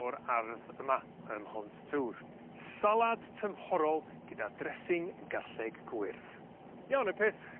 o'r ardd yma ym Mhont Tŵr. Salad tymhorol gyda dressing garlleg gwyrdd. Iawn y peth